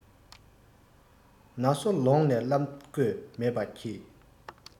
ན སོ ལོངས ནས བསླབས དགོས མེད པ གྱིས